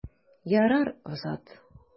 Ярар, Азат.